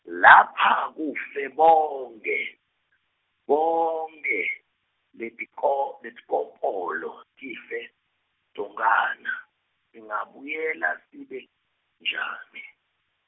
lapha kufe bonkhe, bonkhe, letiko- letikopolo tife, tonkhana, singabuyela sibe, njani.